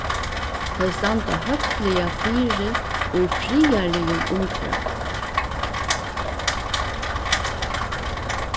tey standa høgliga fyri í friðarligum umhvørvi